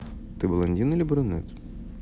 ты блондин или брюнет